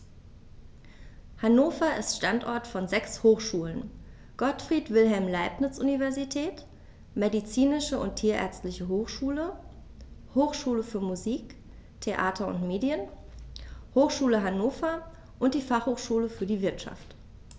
Hannover ist Standort von sechs Hochschulen: Gottfried Wilhelm Leibniz Universität, Medizinische und Tierärztliche Hochschule, Hochschule für Musik, Theater und Medien, Hochschule Hannover und die Fachhochschule für die Wirtschaft.